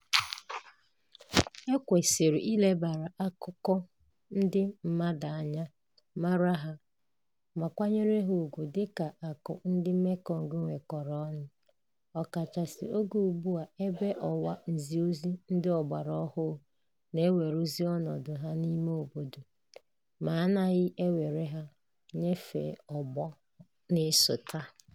E kwesịrị ilebara akụkọ ndị mmadụ anya, mara ha, ma kwanyere ha ugwu dị ka akụ ndị Mekong nwekọrọ ọnụ, ọkachasị oge ugbu a ebe ọwa nziozi ndị ọgbara ọhụrụ na-eweruzi ọnọdụ ha n'ime obodo, ma anaghị ewere ha nyefee ọ̀gbọ́ na-esote.